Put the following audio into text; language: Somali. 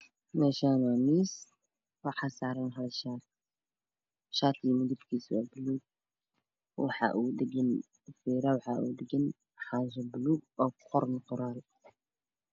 Meshan waxaa mis waxaa saran shati midabkiisu yahay baluug feraha waxaa ugu dhegan xanshi baluug oo ku qoran qoral